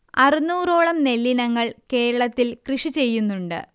അറുന്നൂറോളം നെല്ലിനങ്ങൾ കേരളത്തിൽ കൃഷിചെയ്യുന്നുണ്ട്